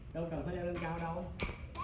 đâu cần phải leo lên cao đâu